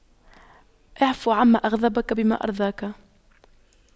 اعف عما أغضبك لما أرضاك